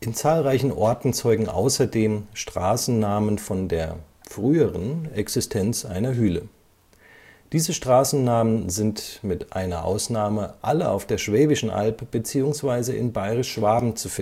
zahlreichen Orten zeugen außerdem Straßennamen von der (früheren) Existenz einer Hüle. Diese Straßennamen sind mit einer Ausnahme alle auf der Schwäbischen Alb beziehungsweise in Bayerisch-Schwaben zu